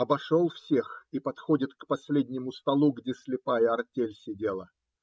Обошел всех и подходит к последнему столу, где слепая артель сидела.